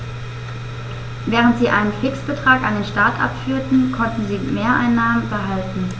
Während sie einen Fixbetrag an den Staat abführten, konnten sie Mehreinnahmen behalten.